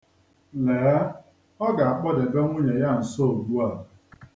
Lee, ọ ga-akpọdebe nwunye ya nso ugbua.